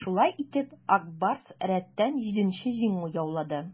Шулай итеп, "Ак Барс" рәттән җиденче җиңү яулады.